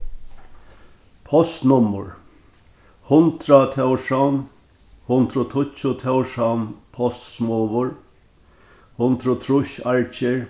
postnummur hundrað tórshavn hundrað og tíggju tórshavn postsmogur hundrað og trýss argir